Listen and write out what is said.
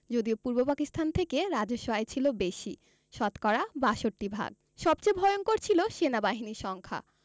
যদিও পূর্ব পাকিস্তান থেকে রাজস্ব আয় ছিল বেশি শতকরা ৬২ ভাগ সবচেয়ে ভয়ংকর ছিল সেনাবাহিনীর সংখ্যা